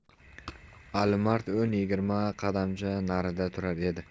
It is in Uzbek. alimard o'n yigirma qadamcha narida turar edi